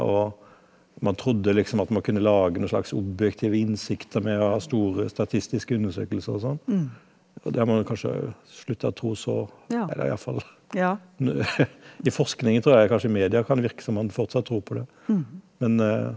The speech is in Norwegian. og man trodde liksom at man kunne lage noen slags objektive innsikter med å ha store, statistiske undersøkelser og sånn, og det har man jo kanskje slutta å tro så eller iallfall i forskningen tror jeg kanskje i media kan virke som man fortsatt tror på det men .